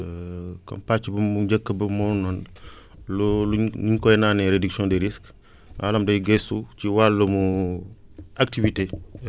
comme pàcc bu mu njëkk moo noon loo lu ñ luñ koy naan éduction des risques maanaam day gëstu ci wàllum activité